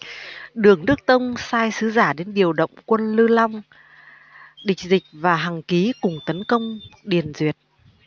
đường đức tông sai sứ giả đến điều động quân lư long địch dịch và hằng kí cùng tấn công điền duyệt